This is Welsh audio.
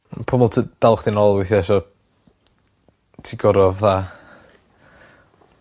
Ma' 'na pobol trio dal chdi nôl weithia' so ti gor'o' fatha